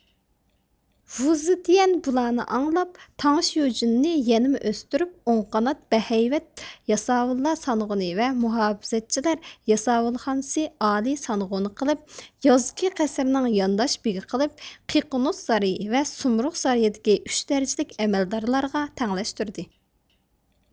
ۋۇزېتيەن بۇلارنى ئاڭلاپ تاڭشيۇجىننى يەنىمۇ ئۆستۈرۈپ ئوڭ قانات بەھەيۋەت ياساۋۇللار سانغۇنى ۋە مۇھاپىزەتچىلەر ياساۋۇلخانىسى ئالىي سانغۇنى قىلىپ يازكى قەسىرنىڭ يانداش بېگى قىلىپ قىقىنوس سارىيى ۋە سۇمرۇغ سارىيىدىكى ئۈچ دەرىجىلىك ئەمەلدارلارغا تەڭلەشتۈردى